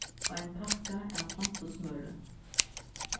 ein pakka av plantusmøri